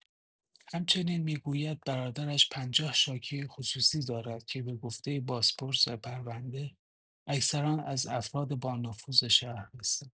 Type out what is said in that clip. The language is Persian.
همچنین می‌گوید برادرش «پنجاه شاکی خصوصی دارد که به گفته بازپرس پرونده اکثرا از افراد با نفوذ شهر هستند».